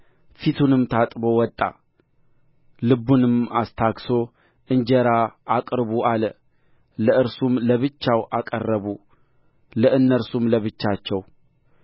ፊቱንም ታጥቦ ወጣ ልቡንም አስታግሦ እንጀራ አቅርቡ አለ ለእርሱም ለብቻው አቀረቡ ለእነርሱም ለብቻቸው